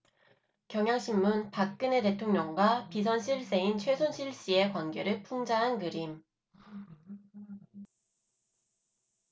경향신문 박근혜 대통령과 비선실세인 최순실씨의 관계를 풍자한 그림